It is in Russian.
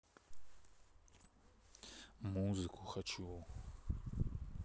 музыку хочу